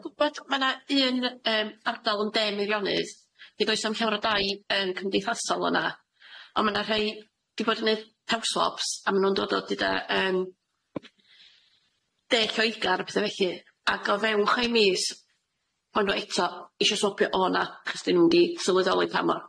Dwi gwbod ma' na un yym ardal yn de Meirionnydd, nid oes am llawer o dai yn cymdeithasol yna, on' ma' na rhei di bod yn yy house sops a ma' nw'n dod o yy yym de Lloegr a pethe felly ag o fewn chwe mis ma' n'w eto isio swopio o na achos di nw'n mynd i sylweddoli pa mor